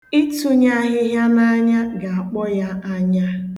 Ịtụnye ahịhịa n'anya ga-akpọ ya anya.